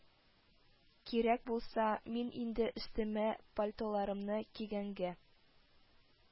Кирәк булса, мин инде өстемә пальтоларымны кигәнгә